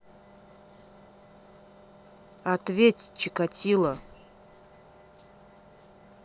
ответь чикатило